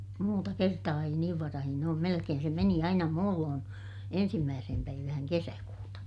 muuta kertaa ei niin varhain ole melkein se meni aina muulloin ensimmäiseen päivään kesäkuuta